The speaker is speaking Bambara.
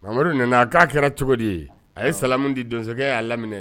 Mamudu nana a k'a kɛra cogodi ye a ye samu di donso y'a laminɛ